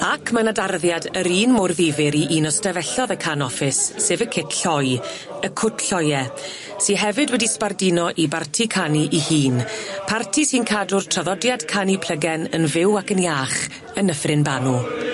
Ac ma' 'ny darddiad yr un mor ddifyr i un o stafellodd y can office, sef y cit lloi y cwt lloie sy hefyd wedi sbarduno 'i barti canu 'i hun parti sy'n cadw'r traddodiad canu plygen yn fyw ac yn iach yn Nyffryn Banw.